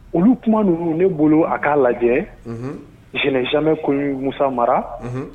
Olu kuma ninnu ne bolo a k'a lajɛ sinan camanmɛ ko musa mara